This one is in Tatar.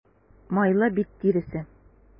Майлы бит тиресе.